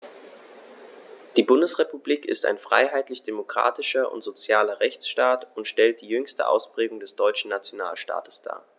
Die Bundesrepublik ist ein freiheitlich-demokratischer und sozialer Rechtsstaat und stellt die jüngste Ausprägung des deutschen Nationalstaates dar.